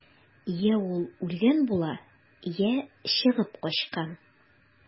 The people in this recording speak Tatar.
Йә ул үлгән була, йә чыгып качкан.